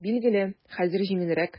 Билгеле, хәзер җиңелрәк.